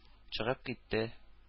Чыгып китте